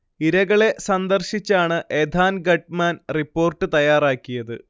ഇരകളെ സന്ദർശിച്ചാണ് Ethan Gutmann report തയാറാക്കിയത്